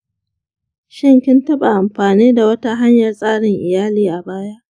shin kin taɓa amfani da wata hanyar tsarin iyali a baya?